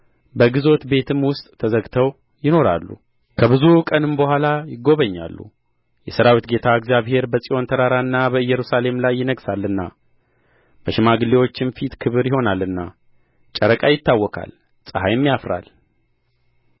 በግዞት ቤትም ውስጥ ተዘግተው ይኖራሉ ከብዙ ቀንም በኋላ ይጐበኛሉ የሠራዊት ጌታ እግዚአብሔርም በጽዮን ተራራና በኢየሩሳሌም ላይ ይነግሣልና በሽማግሌዎቹም ፊት ክብር ይሆናልና ጨረቃ ይታወካል ፀሐይም ያፍራል